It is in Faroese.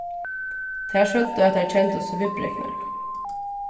tær søgdu at tær kendu seg viðbreknar